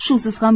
shusiz ham